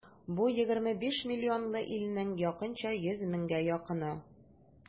Бу егерме биш миллионлы илнең якынча йөз меңгә якыны.